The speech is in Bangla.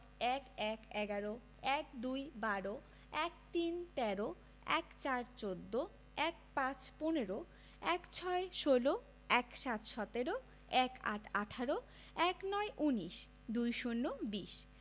১১ - এগারো ১২ - বারো ১৩ - তেরো ১৪ - চৌদ্দ ১৫ – পনেরো ১৬ - ষোল ১৭ - সতেরো ১৮ - আঠারো ১৯ - উনিশ ২০ - বিশ